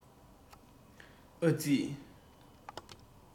ཨ ཙི